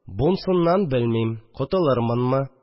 Булсыннан, белмим, котылырмынмы